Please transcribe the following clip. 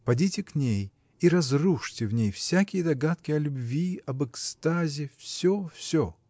Подите к ней и разрушьте в ней всякие догадки о любви, об экстазе, всё, всё.